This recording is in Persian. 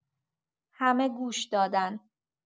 همه گوش‌دادن.